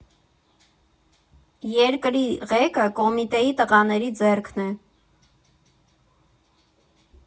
Երկրի ղեկը Կոմիտեի տղաների ձեռքն է։